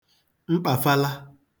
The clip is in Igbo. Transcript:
mkpàfala